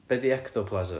Be 'di ectoplasm?